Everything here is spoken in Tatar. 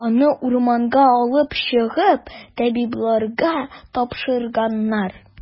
Аны урамга алып чыгып, табибларга тапшырганнар.